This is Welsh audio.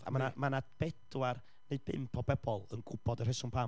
A ma' 'na ma' 'na bedwar neu bump o bobol yn gwybod y rheswm pam...